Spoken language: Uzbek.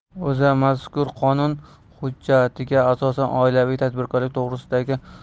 o'zamazkur qonun hujjatiga asosan oilaviy tadbirkorlik to'g'risida